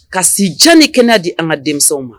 Ka si jan ni kɛnɛya di a ŋa denmisɛnw ma